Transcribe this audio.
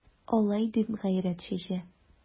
Алай дип гайрәт чәчәләр...